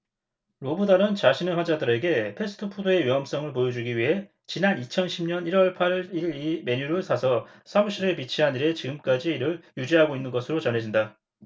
로브달은 자신의 환자들에게 패스트푸드의 위험성을 보여주기 위해 지난 이천 십 년 일 월 팔 일 이 메뉴를 사서 사무실에 비치한 이래 지금까지 이를 유지하고 있는 것으로 전해진다